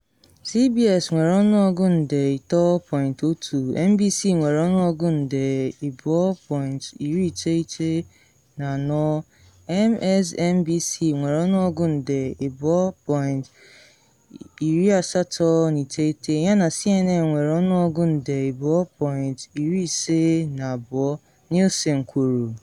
CBS nwere ọnụọgụ nde 3.1, NBC nwere ọnụọgụ nde 2.94, MSNBC nwere ọnụọgụ nde 2.89 yana CNN nwere ọnụọgụ nde 2.52, Nielsen kwuru.